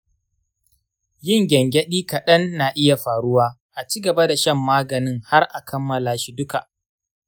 yin gyangyaɗi kaɗan na iya faruwa, a ci gaba da shan maganin har a kammala shi duka.